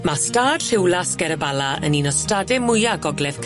Ma' stad Rhiwlas Ger y Bala yn un o stade mwya Gogledd